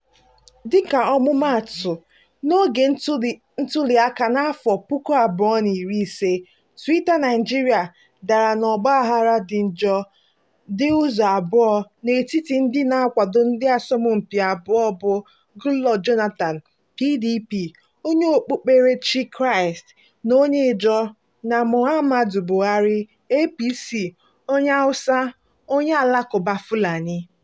Dịka ọmụmaatụ, n'oge ntuliaka n'afọ 2015, Twitter Naịjirịa dara n'ọgbaaghara dị njọ dị ụzọ abụọ n'etiti ndị na-akwado ndị asọmpi abụọ bụ, Goodluck Jonathan (PDP, onye okpukperechi Kraịst na onye Ijaw) na Muhammadu Buhari (APC, onye Hausa, onye Alakụba Fulani).